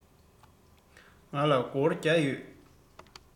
ང ལ སྒོར བརྒྱ ཡོད